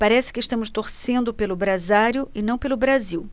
parece que estamos torcendo pelo brasário e não pelo brasil